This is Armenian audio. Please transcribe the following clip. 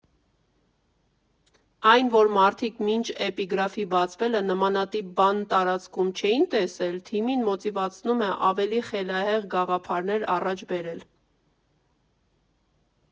Այն, որ մարդիկ մինչ «Էպիգրաֆի» բացվելը նմանատիպ բան տարածքում չէին տեսել, թիմին մոտիվացնում է ավելի խելահեղ գաղափարներ առաջ բերել։